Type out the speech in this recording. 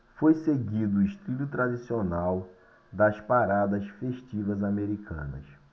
foi seguido o estilo tradicional das paradas festivas americanas